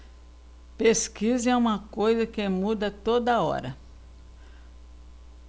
pesquisa é uma coisa que muda a toda hora